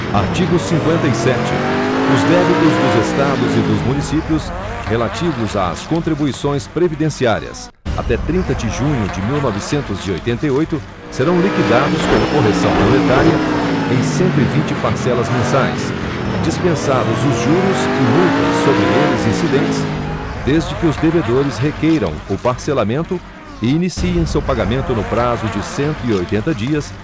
artigo cinquenta e sete os débitos dos estados e dos municípios relativos às contribuições previdenciárias até trinta de junho de mil novecentos e oitenta e oito serão liquidados com correção monetária em cento e vinte parcelas mensais dispensados os juros e multas sobre eles incidentes desde que os devedores requeiram o parcelamento e iniciem seu pagamento no prazo de cento e oitenta dias